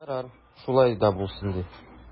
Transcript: Ярар, шулай да булсын ди.